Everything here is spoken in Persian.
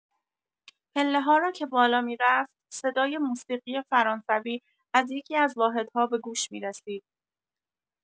پله‌ها را که بالا می‌رفت، صدای موسیقی فرانسوی از یکی‌از واحدها به گوش می‌رسید.